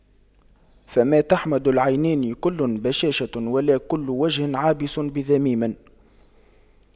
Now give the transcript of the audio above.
فما تحمد العينان كل بشاشة ولا كل وجه عابس بذميم